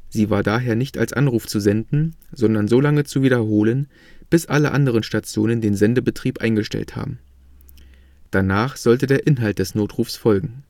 Sie war daher nicht als Anruf zu senden, sondern solange zu wiederholen, bis alle anderen Stationen den Sendebetrieb eingestellt haben. Danach sollte der Inhalt des Notrufs folgen